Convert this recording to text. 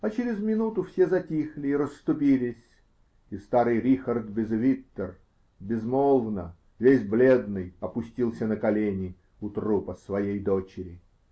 А через минуту все затихли и расступились, и старый Рихард Безевиттер безмолвно, весь бледный, опустился на колени у трупа своей дочери.